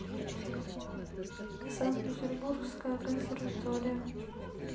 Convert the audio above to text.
санкт петербургская консерватория